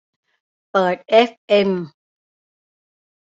เปิดเอฟเอ็ม